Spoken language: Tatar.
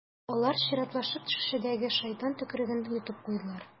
Алар чиратлашып шешәдәге «шайтан төкереге»н йотып куйдылар.